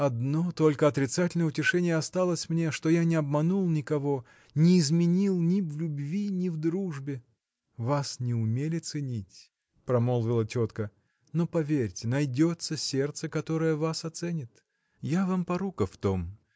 – Одно только отрицательное утешение и осталось мне что я не обманул никого не изменил ни в любви ни в дружбе. – Вас не умели ценить – промолвила тетка – но поверьте найдется сердце которое вас оценит я вам порука в том.